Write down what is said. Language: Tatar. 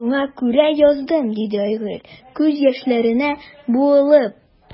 Шуңа күрә яздым,– диде Айгөл, күз яшьләренә буылып.